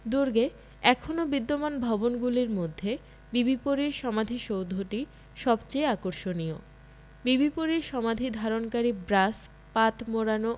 দুর্গে এখনও বিদ্যমান ভবনগুলির মধ্যে বিবি পরীর সমাধিসৌধটি সবচেয়ে আকর্ষণীয় বিবি পরীর সমাধি ধারণকারী ব্রাস পাত মোড়ানো